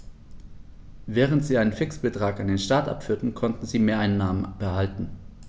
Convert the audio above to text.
Während sie einen Fixbetrag an den Staat abführten, konnten sie Mehreinnahmen behalten.